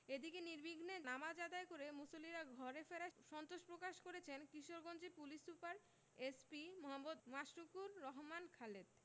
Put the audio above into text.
এদিকে নির্বিঘ্নে নামাজ আদায় করে মুসল্লিরা ঘরে ফেরায় সন্তোষ প্রকাশ করেছেন কিশোরগঞ্জের police super SP Md. Mashrukur Rahman Khaled